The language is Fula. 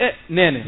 e nene